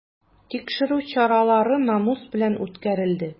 Тикшерү чаралары намус белән үткәрелде.